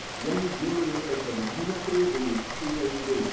Я не делаю этого; меня требуют, и я иду.